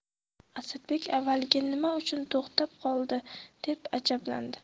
asadbek avvaliga nima uchun to'xtab qoldi deb ajablandi